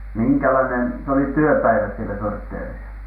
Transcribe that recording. minkälainen se oli työpäivä siellä sortteerissa